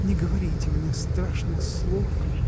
Не говорите мне страшных слов.